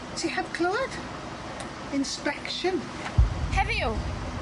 Ti heb clywed? Inspection. Heddiw?